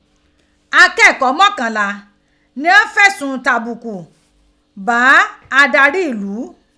Akẹ́kọ̀ọ́ mọ́kànlá ni ghan fẹ̀sùn ìtàbùkù bá adarí ìlú.